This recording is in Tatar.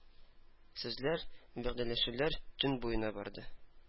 Сүзләр, вәгъдәләшүләр төн буена барды.